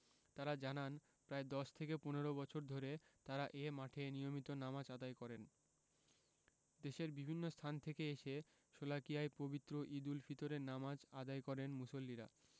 তাঁরা জানান প্রায় ১০ থেকে ১৫ বছর ধরে তাঁরা এ মাঠে নিয়মিত নামাজ আদায় করেন দেশের বিভিন্ন স্থান থেকে এসে শোলাকিয়ায় পবিত্র ঈদুল ফিতরের নামাজ আদায় করেন মুসল্লিরা